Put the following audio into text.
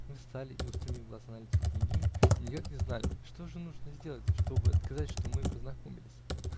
Мы встали и, устремив глаза на лицо княгини, никак не знали: что же нужно сделать, чтобы доказать, что мы познакомились.